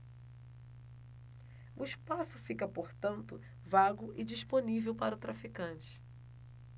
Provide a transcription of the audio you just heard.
o espaço fica portanto vago e disponível para o traficante